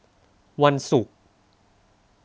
วันศุกร์